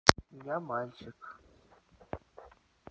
я мальчик